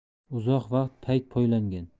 uzoq vaqt payt poylangan